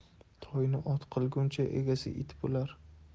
toyni ot qilguncha egasi it bo'lar